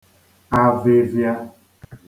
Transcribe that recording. avịvịa